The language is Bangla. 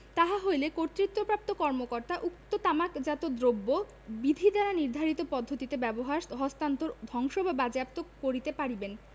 তাহা হইলে কর্তৃত্বপ্রাপ্ত কর্মকর্তা উক্ত তামাকজাত দ্রব্য বিধি দ্বারা নির্ধারিত পদ্ধতিতে ব্যবহার হস্তান্তর ধ্বংস বা বাজেয়াপ্ত কিরতে পারিবেন